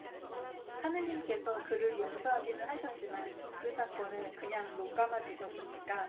하느님께서 그를 용서하기는 하셨지만 그 사건을 그냥 눈감아 주셨습니까